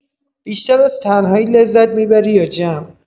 بیشتر از تنهایی لذت می‌بری یا جمع؟